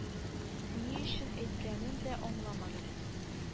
Ни өчен әйткәнен дә аңламадым